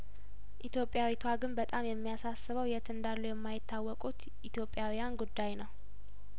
ኢትዮጵያዊቷ ግን በጣም የሚያሳስበው የት እንዳሉ የማይታወቁት ኢትዮጵያውያን ጉዳይ ነው